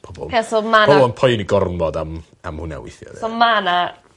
Pobol... so ma' 'na... ...pobol yn poeni gormod am am hwnna weithia 'de? ...so ma' 'na